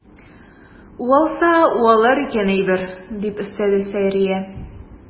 Уалса уалыр икән әйбер, - дип өстәде Сәрия.